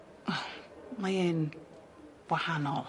O mae e'n wahanol.